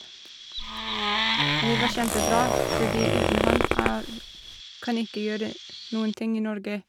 Men det var kjempebra, fordi uten han jeg v kan ikke gjøre noen ting i Norge.